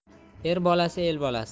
er bolasi el bolasi